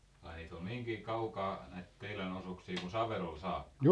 ai niitä oli niinkin kaukaa näitä teidän osuuksia kuin Saverolle saakka